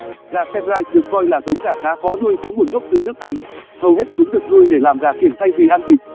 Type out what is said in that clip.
gà sebright được coi là giống gà khá khó nuôi có nguồn gốc từ nước anh hầu hết chúng được nuôi để làm gà kiểng thay vì ăn thịt